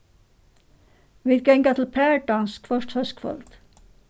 vit ganga til pardans hvørt hóskvøld